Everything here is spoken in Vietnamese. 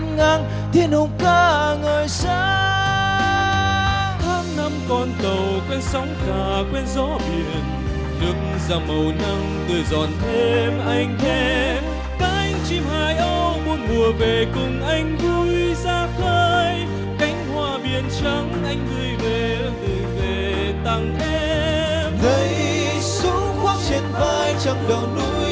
ngang thiên hùng ca ngời sáng tháng năm con tầu quen sóng cả quen gió biển nước ra màu nắng tươi giòn thêm ánh thép cánh chim hải âu bốn mùa về cùng anh vui ra khơi cánh hoa biển trắng anh gửi về gửi về tặng em đây súng khoác trên vai trăng đầu núi